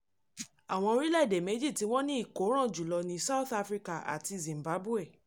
Àwọn orílẹ̀-èdè méjì tí wọ́n ní ìkóràn jùlọ ni South Africa àti Zimbabwe.